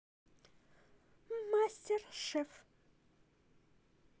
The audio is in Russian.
мастер шеф